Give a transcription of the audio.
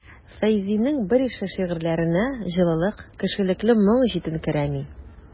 Фәйзинең берише шигырьләренә җылылык, кешелекле моң җитенкерәми.